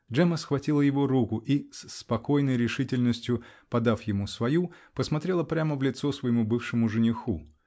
Джемма схватила его руку и, с спокойной решительностью подав ему свою, посмотрела прямо в лицо своему бывшему жениху.